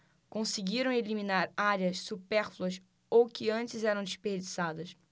conseguiram eliminar áreas supérfluas ou que antes eram desperdiçadas